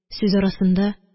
Сүз арасында